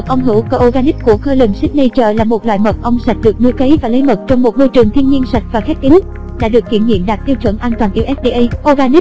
mật ong hữu cơ organic của kirkland signaturetm là một loại mật ong sạch được nuôi cấy và lấy mật trong một môi trường thiên nhiên sạch và khép kín đã được kiểm nghiệm đạt tiêu chuẩn an toàn usda organic chứng chỉ an toàn của bộ công nghiệp hoa kỳ